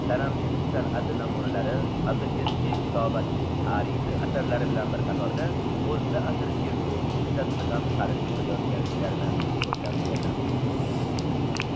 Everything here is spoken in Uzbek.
sanam chizish san'ati namunalari hamda eski kitobatchilik tarixi asarlari bilan bir qatorda o'rta asr cherkov muzikasini ham targib qilayotganliklarini so'ylab berdi